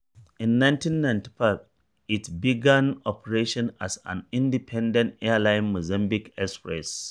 In 1995, it began operations as an independent airline, Mozambique Express.